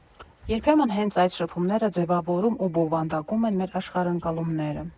Երբեմն հենց այդ շփումները ձևավորում ու բովանդակում են մեր աշխարհընկալումները։